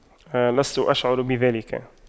لست أشعر بذلك